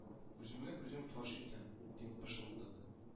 Үземне үзем фаш иттем,- дип пышылдады